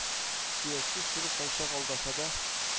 Сөяксез тел кайчак алдаса да,